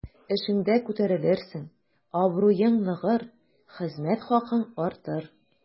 Эшеңдә күтәрелерсең, абруең ныгыр, хезмәт хакың артыр.